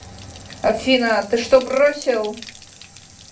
афина ты что бросил